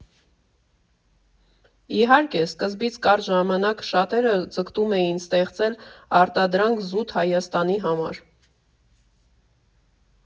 Իհարկե, սկզբից կարճ ժամանակ շատերը ձգտում էին ստեղծել արտադրանք զուտ Հայաստանի համար։